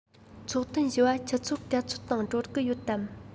ཚོགས ཐུན བཞི པ ཆུ ཚོད ག ཚོད སྟེང གྲོལ གི ཡོད དམ